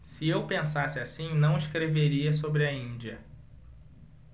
se eu pensasse assim não escreveria sobre a índia